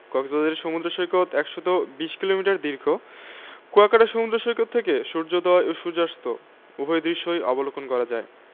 কক্সবাজারের সমুদ্র সৈকত ১২০ কিলোমিটার দীর্ঘ কুয়াকাটা সমুদ্র সৈকত থেকে সূর্যোদয় ও সূর্যাস্ত উভয় দৃশ্যই অবলোকন করা যায়